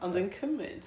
ond dwi'n cymyd...